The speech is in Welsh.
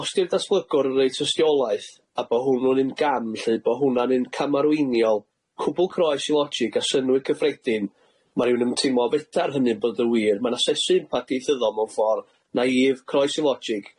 Os di'r datblygwr yn roi tystiolaeth a bo' hwnnw'n un gam lly bo' hwnna'n un camarweiniol cwbwl croes i logig a synnwyr cyffredin ma' rywun yn teimlo fedar hynny'n bod yn wir ma'n asesu impact ieithyddol mewn ffor naïf croes i logig.